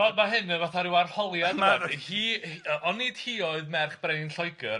O, ma' hyn y fatha ryw arholiad ma' hi yy onid hi oedd merch brenin Lloegr